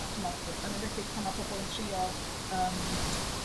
a ch'mbo yn enwedig pan mae pobol yn trio yym